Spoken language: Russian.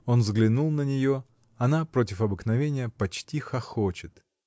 Он взглянул на нее: она, против обыкновения, почти хохочет.